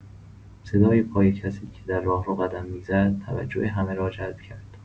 صدای پای کسی که در راهرو قدم می‌زد، توجه همه را جلب کرد.